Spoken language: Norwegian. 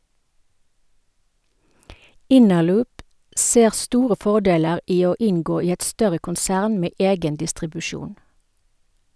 Innerloop ser store fordeler i å inngå i et større konsern med egen distribusjon.